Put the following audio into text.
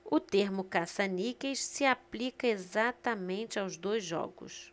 o termo caça-níqueis se aplica exatamente aos dois jogos